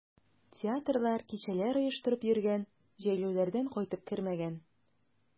Театрлар, кичәләр оештырып йөргән, җәйләүләрдән кайтып кермәгән.